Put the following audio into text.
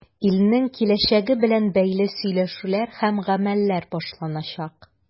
Илнең киләчәге белән бәйле сөйләшүләр һәм гамәлләр башланачак.